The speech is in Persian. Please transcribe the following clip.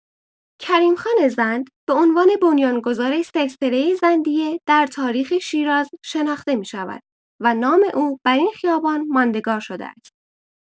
کریم‌خان زند به عنوان بنیان‌گذار سلسله زندیه در تاریخ شیراز شناخته می‌شود و نام او بر این خیابان ماندگار شده است.